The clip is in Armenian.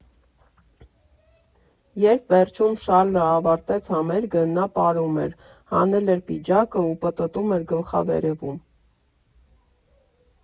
Երբ վերջում Շառլը ավարտեց համերգը, նա պարում էր, հանել էր պիջակը ու պտտում էր գլխավերևում…